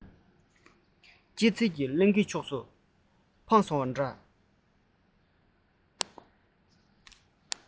སྐྱེད ཚལ གྱི གླིང གའི ཕྱོགས སུ འཕངས སོང བ འདྲ